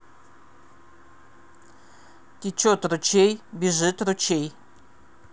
течет ручей бежит ручей